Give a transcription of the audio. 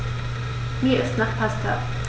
Mir ist nach Pasta.